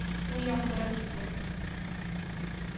Җомга мөбарәк булсын!